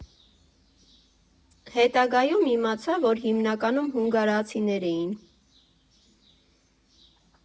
Հետագայում իմացա, որ հիմնականում հունգարացիներ էին։